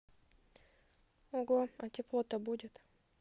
ого а тепло то будет